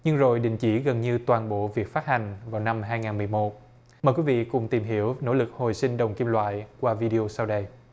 nhưng rồi đình chỉ gần như toàn bộ việc phát hành vào năm hai ngàn mười một mời quý vị cùng tìm hiểu nỗ lực hồi sinh đồng kim loại qua vi đi ô sau đây